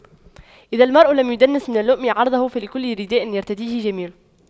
إذا المرء لم يدنس من اللؤم عرضه فكل رداء يرتديه جميل